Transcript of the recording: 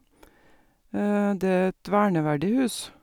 Det er et verneverdig hus.